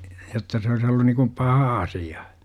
jotta se olisi ollut niin kuin paha asia